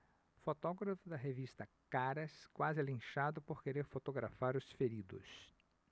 fotógrafo da revista caras quase é linchado por querer fotografar os feridos